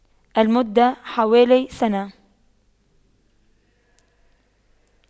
المدة حوالي سنة